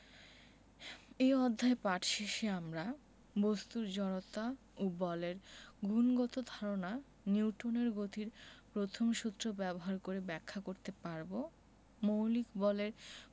এ অধ্যায় পাঠ শেষে আমরা বস্তুর জড়তা ও বলের গুণগত ধারণা নিউটনের গতির প্রথম সূত্র ব্যবহার করে ব্যাখ্যা করতে পারব মৌলিক বলের